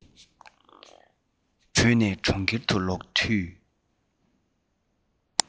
བོད ནས གྲོང ཁྱེར དུ ལོག དུས